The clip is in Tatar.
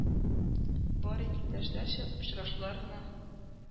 Бары иптәшләрчә очрашулар гына